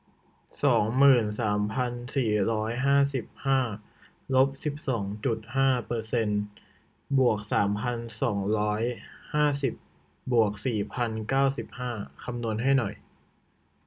สองหมื่นสามพันสี่ร้อยห้าสิบห้าลบสิบสองจุดห้าเปอร์เซนต์บวกสามพันสองร้อยห้าสิบบวกสี่พันเก้าสิบห้าคำนวณให้หน่อย